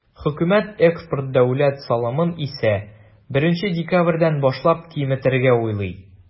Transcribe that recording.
Хөкүмәт экспорт дәүләт салымын исә, 1 декабрьдән башлап киметергә уйлый.